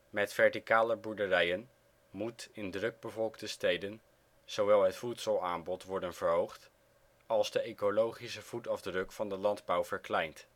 Met verticale boerderijen moet in drukbevolkte steden zowel het voedselaanbod worden verhoogd als de ecologische voetafdruk van de landbouw verkleind